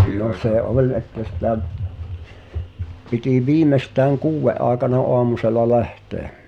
no se oli että sitä piti viimeistään kuuden aikana aamusella lähteä